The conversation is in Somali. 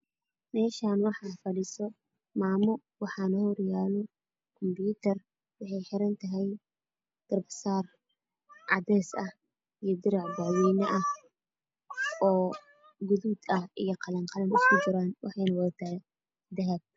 Waxaa fadhiya maamo waxay wadataa gabasaar midabkiisii yahay qaxwi waxaa horyaalo laabtoob cadaan faraantii dahabi ayay xiran tahay